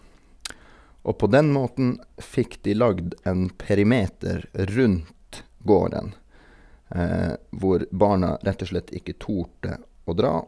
Og på den måten fikk de lagd en perimeter rundt gården hvor barna rett og slett ikke turte å dra.